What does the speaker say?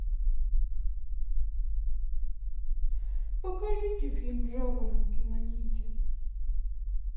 покажи фильм жаворонки на нити